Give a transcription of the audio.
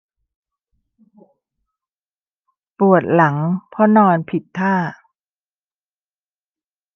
ปวดหลังเพราะนอนผิดท่า